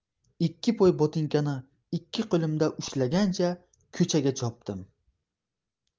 ikki poy botinkani ikki qo'limda ushlagancha ko'chaga chopdim